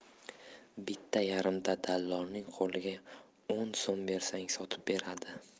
bitta yarimta dallolning qo'liga o'n so'm bersang sotib beradi